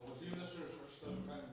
песня про дед мороза